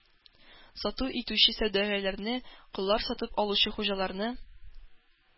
Сату итүче сәүдәгәрләрне, коллар сатып алучы хуҗаларны